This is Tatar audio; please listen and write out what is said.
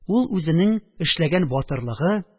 Ул үзенең эшләгән батырлыгы